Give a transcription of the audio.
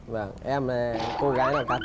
vâng em là cô gái này cá